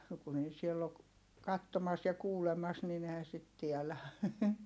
no kun ei siellä ole katsomassa ja kuulemassa niin eihän sitä tiedä